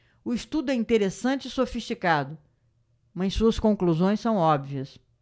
o estudo é interessante e sofisticado mas suas conclusões são óbvias